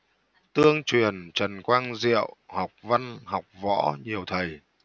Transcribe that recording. tương truyền trần quang diệu học văn học võ nhiều thầy